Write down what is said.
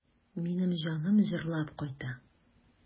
Минем җаным җырлап кайта.